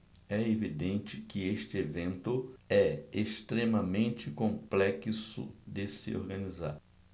é evidente que este evento é extremamente complexo de se organizar